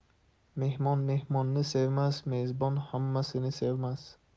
mehmon mehmonni sevmas mezbon hammasini sevmas